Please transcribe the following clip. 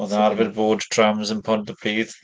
Oedd arfer fod trams yn Pontypridd.